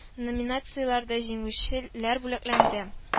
Номинациялардә җиңүче ләр бүләкләнде